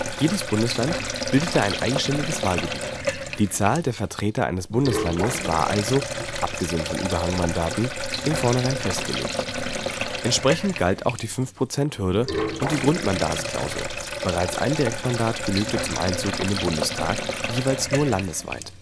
Jedes Bundesland bildete ein eigenständiges Wahlgebiet; die Zahl der Vertreter eines Bundeslandes war also (abgesehen von Überhangmandaten) im Vorhinein festgelegt. Entsprechend galt auch die Fünf-Prozent-Hürde und die Grundmandatsklausel (bereits ein Direktmandat genügte zum Einzug in den Bundestag) jeweils nur landesweit